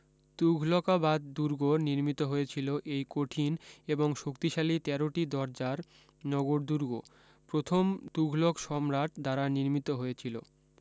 তুঘলকাবাদ দুর্গ নির্মিত হয়েছিলো এই কঠিন এবং শক্তিশালী তেরো টি দরজার নগরদুর্গ প্রথম তুঘলক সম্রাট দ্বারা নির্মিত হয়েছিলো